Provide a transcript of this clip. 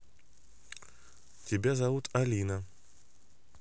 тебя зовут алина